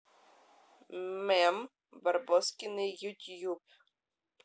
мем барбоскины ютьюб